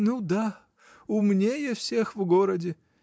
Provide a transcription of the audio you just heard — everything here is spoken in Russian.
— Ну, да — умнее всех в городе.